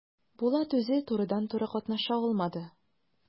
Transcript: Булат үзе турыдан-туры катнаша алмады.